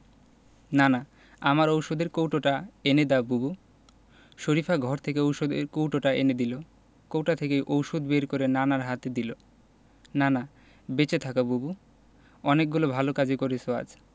নানা আমার ঔষধের কৌটোটা এনে দাও বুবু শরিফা ঘর থেকে ঔষধের কৌটোটা এনে দিল কৌটা থেকে ঔষধ বের করে নানার হাতে দিল নানা বেঁচে থাকো বুবু অনেকগুলো ভালো কাজ করেছ আজ